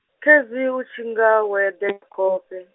khezwi u tshinga wo eḓela khofhe?